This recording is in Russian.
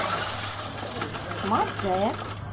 smart the